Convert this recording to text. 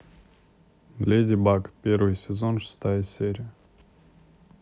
леди баг первый сезон шестая серия